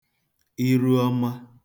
Iruọma